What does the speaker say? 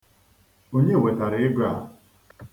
Onye wetara ego a?